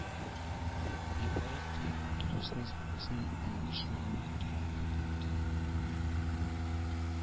Югары Кыярлы Татарстан Республикасының Мамадыш районындагы торак пункты